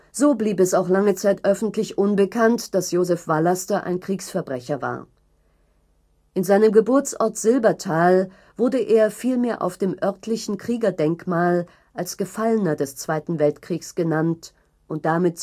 So blieb es auch lange Zeit öffentlich unbekannt, dass Josef Vallaster ein Kriegsverbrecher war. In seinem Geburtsort Silbertal wurde er vielmehr auf dem örtlichen Kriegerdenkmal als Gefallener des Zweiten Weltkriegs genannt und damit